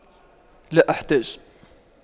لا أحتاج